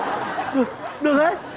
được được đấy